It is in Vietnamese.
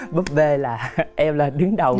búp bê là em là đứng đầu